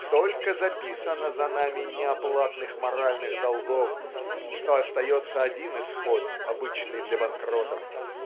столько записано за нами неоплатных моральных долгов что остается один исход обычный для банкротов